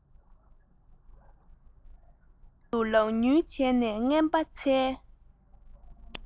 པར ཁུག ཀུན ཏུ ལག ཉུལ བྱས ནས རྔན པ འཚོལ